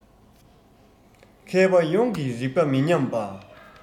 མཁས པ ཡོངས ཀྱི རིག པ མི ཉམས པ